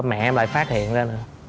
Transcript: mẹ em lại phát hiện ra